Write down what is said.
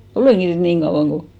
olenkin nyt niin kauan kuin